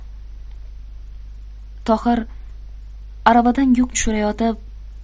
tohir aravadan yuk tushirayotib